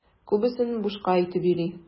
Күбесен бушка әйтеп йөри.